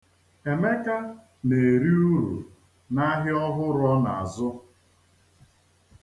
Emeka na-eri uru n'ahịa ọhụrụ ọ na-azụ.